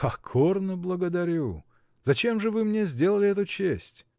— Покорно благодарю: зачем же вы мне сделали эту честь?